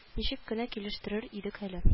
Ничек кенә килештерер идек әле